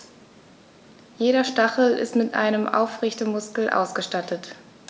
Jeder Stachel ist mit einem Aufrichtemuskel ausgestattet.